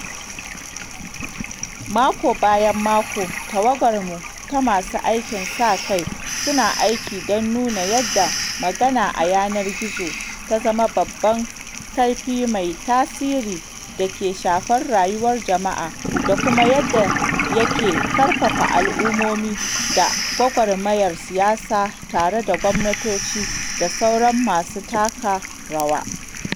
Mako bayan mako, tawagarmu ta masu aikin sa-kai suna aiki don nuna yadda magana a yanar gizo ta zama babban ƙarfi mai tasiri da ke shafar rayuwar jama’a, da kuma yanda yake ƙarfafa al’ummomi da gwagwarmayar siyasa tare da gwamnatoci da sauran masu taka rawa .